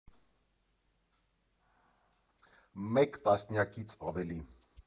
Մեկ տասնյակից ավելի։